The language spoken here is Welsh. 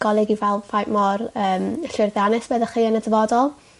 golygu fel faint mor yym llwyddiannus fyddech chi yn y dyfodol.